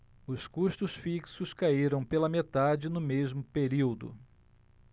os custos fixos caíram pela metade no mesmo período